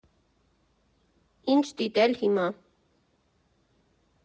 Ինչ դիտել հիմա.